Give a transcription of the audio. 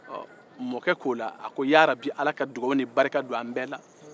ɔ mɔkɛ k'o la a ko yarabi ala ka dugawu ni barika don an bɛɛ la